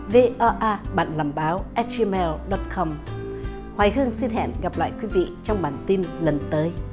vê o a bạn làm báo ét i meo đặt hầm hoài hương xin hẹn gặp lại quý vị trong bản tin lần tới